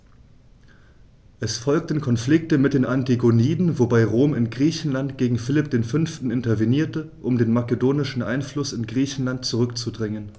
Es folgten Konflikte mit den Antigoniden, wobei Rom in Griechenland gegen Philipp V. intervenierte, um den makedonischen Einfluss in Griechenland zurückzudrängen.